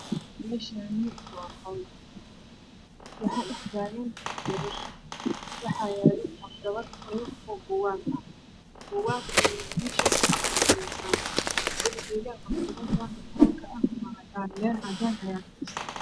Meeshaan waa qol waxaa dhex taagan gabar waxaa yaalo maktabad buug. Gabadhuna buug ayay aqrisaneysaa. Darbiga waa cadaan leyrka waa cadaan.